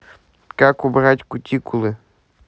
как убирать кутикулы